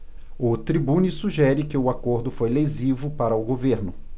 o tribune sugere que o acordo foi lesivo para o governo